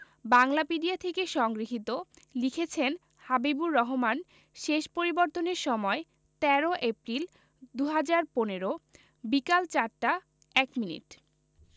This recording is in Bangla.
বাংলাপিডিয়া থেকে সংগৃহীত লিখেছেন: হাবিবুর রহমান শেষ পরিবর্তনের সময়ঃ১৩ এপ্রিল ২০১৫ বিকেল ৪টা ১ মিনিট